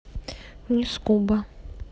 нискуба